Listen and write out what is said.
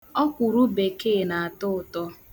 Ọkwụrụbekee na-atọ ụtọ.